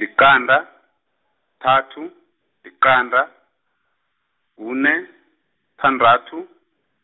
liqanda, kuthathu, liqanda, kune, thandathu,